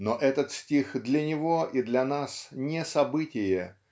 но этот стих для него и для нас не событие